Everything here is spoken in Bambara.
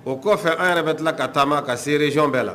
O kɔfɛ an yɛrɛ bɛ tila ka taama ka se région bɛɛ la.